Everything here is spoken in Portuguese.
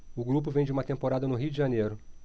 o grupo vem de uma temporada no rio de janeiro